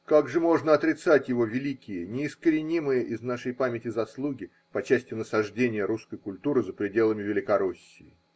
Как же можно отрицать его великие, неискоренимые из нашей памяти заслуги по части насаждения русской культуры за пределами Великороссии?